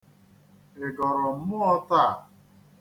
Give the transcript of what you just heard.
Ị gọrọ mmụọ taa?